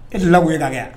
E tɛ la ye la